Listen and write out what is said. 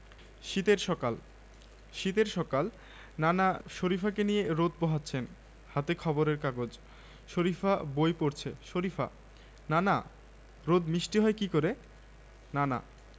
আলোকিত করছে বাংলাদেশের বয়সভিত্তিক ফুটবল কদিন আগেই যারা ভারতকে হারিয়ে জিতেছে অনূর্ধ্ব ১৫ সাফ ফুটবল বাংলাদেশ অনূর্ধ্ব ১৫ ফুটবল দলের ২৩ জনের মধ্যে ৮ জনই ছিল কলসিন্দুরের মেয়ে